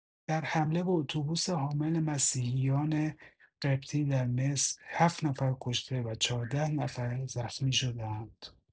در حمله به اتوبوس حامل مسیحیان قبطی در مصر هفت نفر کشته و چهارده نفر زخمی شده‌اند.